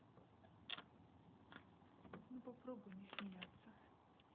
ну попробуй не смеяться